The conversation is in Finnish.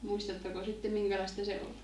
muistatteko sitten minkälaista se oli